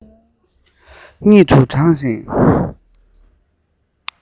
ཉིད དུ བགྲང ཞིང